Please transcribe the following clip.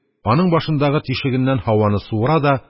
Аның башындагы тишегеннән һаваны суыра да,